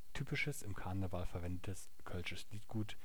Typisches im Karneval verwendetes kölsches Liedgut